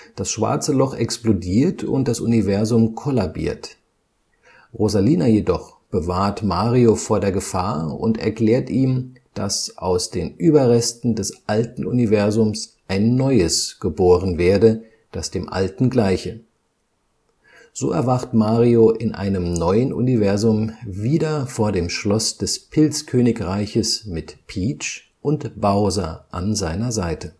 Das schwarze Loch explodiert und das Universum kollabiert. Rosalina jedoch bewahrt Mario vor der Gefahr und erklärt ihm, dass aus den Überresten des alten Universums ein neues geboren werde, das dem alten gleiche. So erwacht Mario in einem neuen Universum wieder vor dem Schloss des Pilzkönigreiches mit Peach und Bowser an seiner Seite